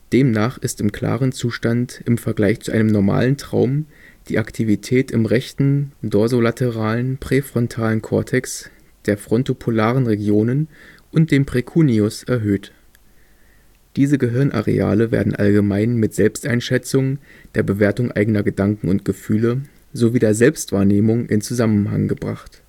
Demnach ist im klaren Zustand im Vergleich zu einem normalen Traum die Aktivität im rechten dorsolateralen präfrontalen Kortex, der frontopolaren Regionen und dem Precuneus erhöht. Diese Gehirnareale werden allgemein mit Selbsteinschätzung, der Bewertung eigener Gedanken und Gefühle sowie der Selbstwahrnehmung in Zusammenhang gebracht